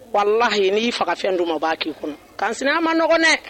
Walahi n'i faga fɛn di u ma , o b'a k'i kɔnɔ. Kansinaya ma nɔgɔ dɛ !